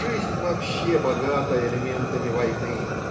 Жизнь вообще богата элементами войны